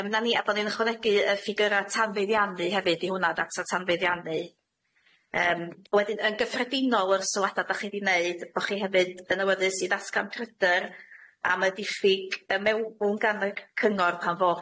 Yym na ni a bo' ni'n ychwanegu y ffigyra tanfeyddiannu hefyd i hwnna data tanfeyddiannu yym wedyn yn gyffredinol o'r sylwada' dach chi di neud bo' chi hefyd yn awyddus i ddatgan pryder am y diffyg y mew- mewnbwn gan y cyngor pan fo